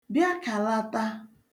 bịakàlata